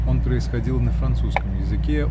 Он происходил на французском языке